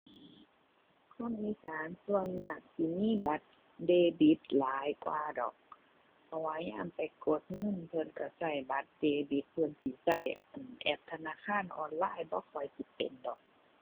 คนอีสานส่วนมากสิมีบัตรเดบิตหลายกว่าดอก เพราะว่ายามไปกดเงินเพิ่นก็ก็บัตรเดบิต เพิ่นสิก็ อั่น แอปธนาคารออนไลน์บ่ค่อยสิเป็นดอก